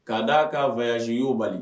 K'a d' a ka vyasi'o bali